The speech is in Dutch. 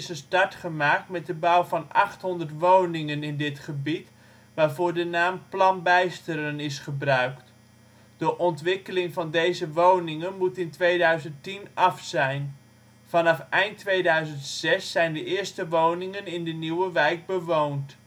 een start gemaakt met de bouw van 800 woningen in dit gebied, waarvoor de naam " Plan Bijsteren " is gebruikt. De ontwikkeling van deze woningen moet in 2010 af zijn. Vanaf eind 2006 zijn de eerste woningen in de nieuwe wijk bewoond